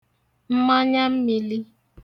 mmanya mmīlī